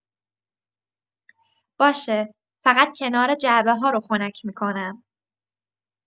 باشه، فقط کناره جعبه‌ها رو خنک می‌کنم.